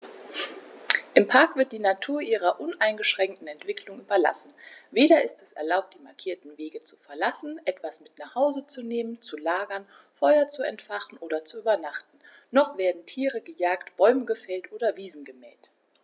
Im Park wird die Natur ihrer uneingeschränkten Entwicklung überlassen; weder ist es erlaubt, die markierten Wege zu verlassen, etwas mit nach Hause zu nehmen, zu lagern, Feuer zu entfachen und zu übernachten, noch werden Tiere gejagt, Bäume gefällt oder Wiesen gemäht.